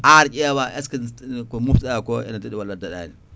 ar ƴeewa est ce que ko moftuɗa ko ene daaɗi walla daɗani